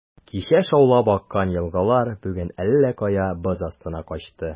Кичә шаулап аккан елгалар бүген әллә кая, боз астына качты.